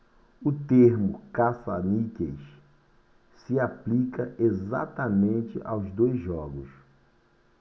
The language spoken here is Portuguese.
o termo caça-níqueis se aplica exatamente aos dois jogos